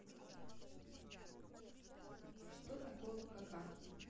что такое какахи